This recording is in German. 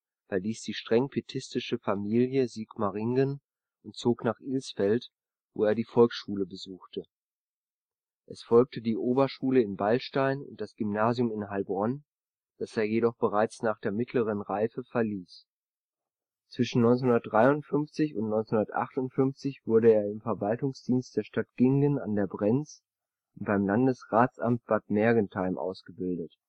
verließ die streng pietistische Familie Sigmaringen und zog nach Ilsfeld, wo er die Volksschule besuchte. Es folgte die Oberschule in Beilstein und das Gymnasium in Heilbronn, das er jedoch bereits nach der mittleren Reife verließ. Zwischen 1953 und 1958 wurde er im Verwaltungsdienst der Stadt Giengen an der Brenz und beim Landratsamt Bad Mergentheim ausgebildet